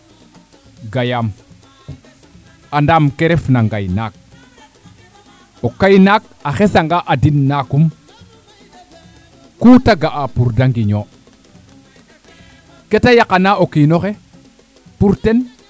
ga yaam andaam ke ref ne ngay naak o kay naak a xesa nga adin naakum ku te ga'a pour de ngiño kete yaqana o kiino xe pour ten